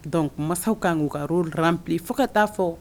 Donc masaw ka u ka la bilen fo ka taa fɔ